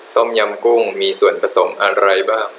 ต้มยำกุ้งมีส่วนผสมอะไรบ้าง